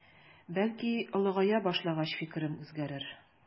Бәлки олыгая башлагач фикерем үзгәрер.